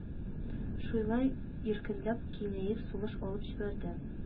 Шуйлай иркенләп киңәеп сулыш алып җибәрде